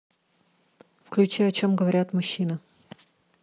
включи о чем говорят мужчины